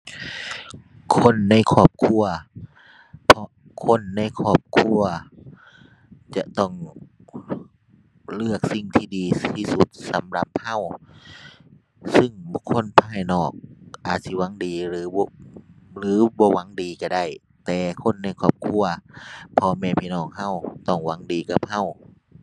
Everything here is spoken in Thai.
คนในครอบครัวเพราะคนในครอบครัวจะต้องเลือกสิ่งที่ดีที่สุดสำหรับเรา ซึ่งบุคคลภายนอกอาจสิหวังดีหรือบ่ หรือบ่หวังดีเราได้ แต่คนในครอบครัวพ่อแม่พี่น้องเรา ต้องหวังดีกับเรา